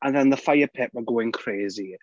And then the fire pit were going crazy.